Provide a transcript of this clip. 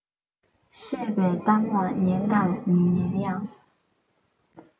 བཤད པའི གཏམ ལ ཉན དང མི ཉན ཡང